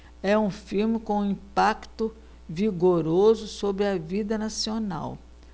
é um filme com um impacto vigoroso sobre a vida nacional